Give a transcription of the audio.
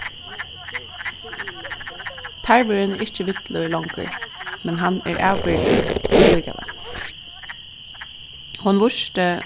tarvurin er ikki villur longur men hann er avbyrgdur allíkavæl hon vísti